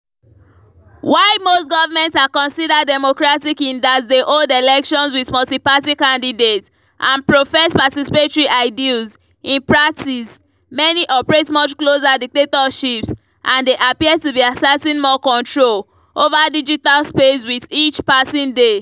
While most governments are considered democratic in that they hold elections with multi-party candidates and profess participatory ideals, in practice, many operate much closer dictatorships — and they appear to be asserting more control over digital space with each passing day.